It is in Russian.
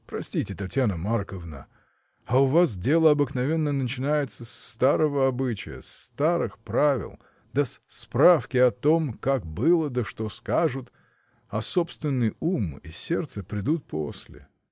— Простите, Татьяна Марковна, а у вас дело обыкновенно начинается с старого обычая, с старых правил да с справки о том, как было да что скажут, а собственный ум и сердце придут после.